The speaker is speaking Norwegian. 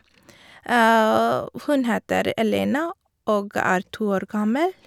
Hun heter Elena og er to år gammel.